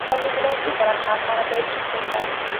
prynu rhywbeth dyna pam ma' 'na blwyd- bwyslais.